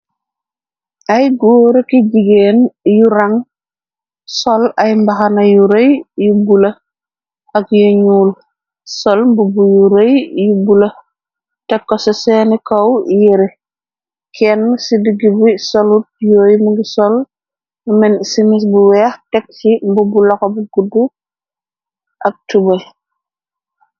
ay góora ki jigéen yu rang sol ay mbaxana yu rëy yu bula ak yenuul sol mbubu yu rëy yu bula teko ca seeni kaw yére kenn ci digg bi solut yooy mngi sol men cimis bu weex teg ci mbubu laxo bi guddu ak tubay